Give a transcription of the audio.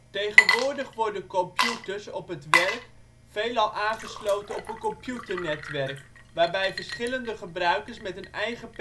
Tegenwoordig worden computers op het werk veelal aangesloten op een computernetwerk, waarbij verschillende gebruikers met een eigen